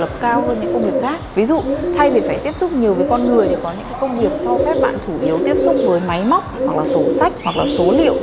cao hơn những công việc khác ví dụ thay vì phải tiếp xúc nhiều với con người thì có những công việc cho phép bạn chủ yếu tiếp xúc với máy móc hoặc là sổ sách hoặc là số liệu